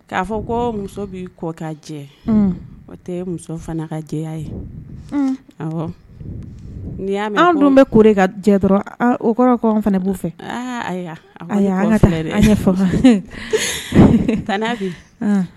K'a fɔ ko muso bi kɔ ka jɛ o muso fana ka jɛ ye n anw bɛ ko ka jɛ dɔrɔn o kɔrɔ fana b'u fɛ an ka bi